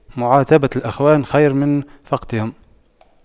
معاتبة الإخوان خير من فقدهم